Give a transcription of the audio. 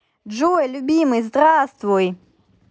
джой любимый здравствуй